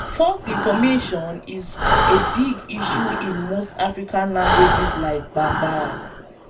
False information is a big issue in most African languages like Bambara.